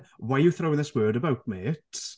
Why are you throwing this word about, mate?